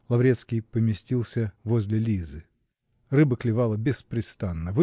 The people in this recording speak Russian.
Лаврецкий поместился возле Лизы. Рыба клевала беспрестанно